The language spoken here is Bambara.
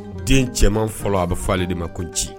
Den cɛman fɔlɔ a bɛ fɔ ale de ma ko Nci